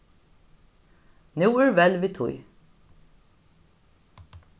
nú er vell við tí